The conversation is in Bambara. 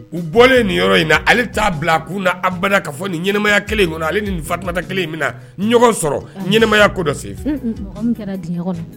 U bɔlen nin yɔrɔ in na ale t'a bila a kun na an ka fɔ ni ɲɛnɛmaya kelen in ale ni fatumata kelen min na ɲɔgɔn sɔrɔ ɲmaya ko dɔ se kɛra